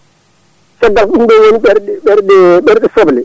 caggal ko ɗum ɗo woni ɓerɗe ɓerɗe soble